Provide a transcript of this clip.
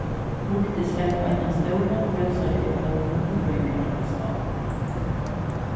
vígdis fekk eina stóra ljósareyða blómu í føðingardagsgávu